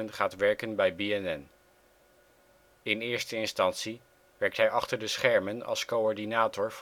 gaat werken bij BNN. In eerste instantie werkt hij achter de schermen als coördinator